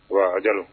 Wa a ja